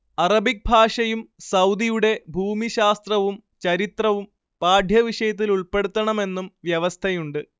Arabic ഭാഷയും സൗദിയുടെ ഭൂമിശാസ്ത്രവും ചരിത്രവും പാഠ്യവിഷയത്തിലുൾപ്പെടുത്തണമെന്നും വ്യവസ്ഥയുണ്ട്